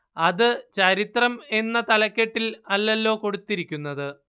അത് ചരിത്രം എന്ന തലക്കെട്ടില്‍ അല്ലല്ലോ കൊടുത്തിരിക്കുന്നത്